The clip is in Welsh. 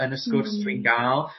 yn y sgwrs dwi'n ga'l